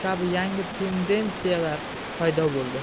kabi yangi tendentsiyalar paydo bo'ldi